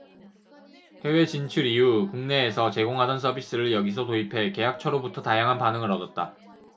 해외 진출 이후 국내에서 제공하던 서비스를 여기서 도입해 계약처로부터 다양한 반응을 얻었다